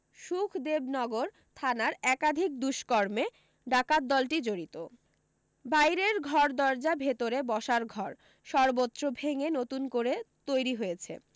সুখদেবনগর থানার একাধিক দুষ্করমে ডাকাত দলটি জড়িত বাইরের ঘর দরজা ভেতরে বসার ঘর সর্বত্র ভেঙে নতুন করে তৈরী হয়েছে